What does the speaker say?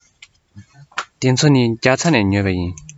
འདི ཚོ ནི རྒྱ ཚ ནས ཉོས པ ཡིན